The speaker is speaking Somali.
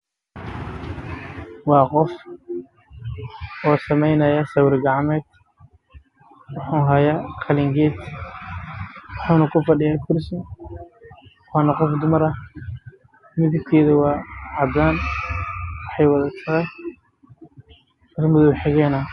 Waa gabar Soomaaliyeed oo sabuurad wax ku qorayso